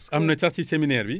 c' st am na sax si séminaire bi